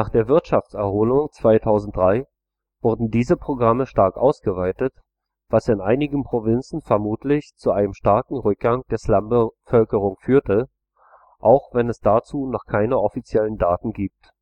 der Wirtschaftserholung 2003 wurden diese Programme stark ausgeweitet, was in einigen Provinzen vermutlich zu einem starken Rückgang der Slumbevölkerung führte, auch wenn es dazu noch keine offiziellen Daten gibt